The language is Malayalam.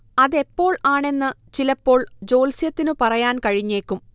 അതെപ്പോൾ ആണെന്ന് ചിലപ്പോൾ ജ്യോല്സ്യത്തിനു പറയാൻ കഴിഞ്ഞേക്കും